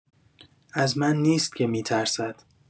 از من نیست که می‌ترسد.